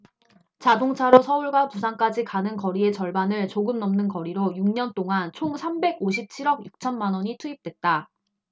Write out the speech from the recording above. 자동차로 서울과 부산까지 가는 거리의 절반을 조금 넘는 거리로 육 년 동안 총 삼백 오십 칠 억 육 천만원이 투입됐다